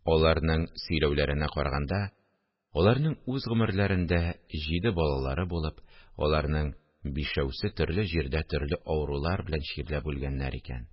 Аларның сөйләүләренә караганда, аларның үз гомерләрендә җиде балалары булып, аларның бишәүсе төрле җирдә төрле авырулар белән чирләп үлгәннәр икән